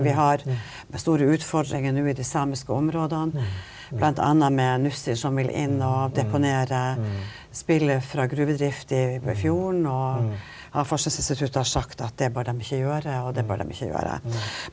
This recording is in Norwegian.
vi har med store utfordringer nå i de samiske områdene, bl.a. med Nussir som vil inn og deponere spillet fra gruvedrift i fjorden og Havforskningsinstituttet har sagt at det bør dem ikke gjøre og det bør dem ikke gjøre.